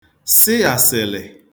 sị àsị̀lị̀